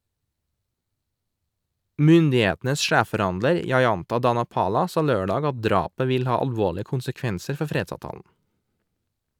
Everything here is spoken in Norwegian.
Myndighetenes sjefforhandler, Jayantha Dhanapala, sa lørdag at drapet vil ha alvorlige konsekvenser for fredsavtalen.